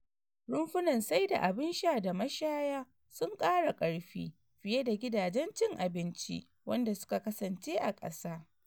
Rumfunan saida abin sha da mashaya sun kara ƙarfi fiye da gidajen cin abinci wanda suka kasance a ƙasa.